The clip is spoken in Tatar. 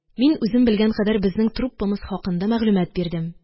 Мин үзем белгән кадәр безнең труппамыз хакында мәгълүмат бирдем.